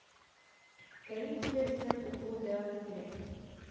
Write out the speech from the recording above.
Кәрим үзлегеннән укуын дәвам иттерә.